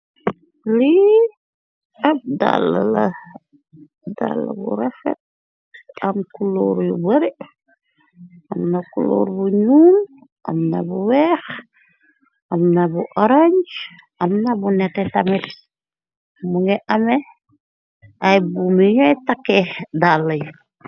Lii ab dall bu refet am kulóor yu bare amna kulóor bu nuum amna bu weex amna bu orange amna bu nete tamirs mu ngi ame ay bu mi ñooy takke dàlla yi.